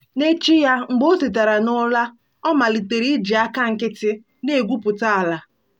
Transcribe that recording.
N'echi ya, mgbe o tetara n'ụra, ọ malitere iji aka nkịtị na-egwupụta ala.